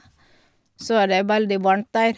Så er det veldig varmt der.